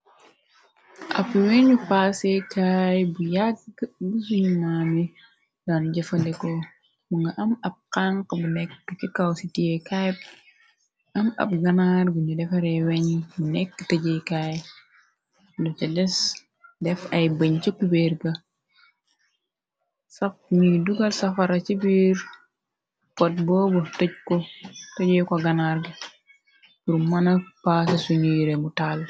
Ab weñu paasekaay bu yàgg bu sunu maami daan jëfandeko mu nga am ab xanq bu nekk kikaw ci tiye kype am ab ganaar gu ñu defaree weñ bu nekk tëjeykaay do ca des def ay bëñ cëkki beer ga sax niy dugal safara ci biir pot boobu tëjey ko ganaar ga pur mëna paase sunuyre bu tàll.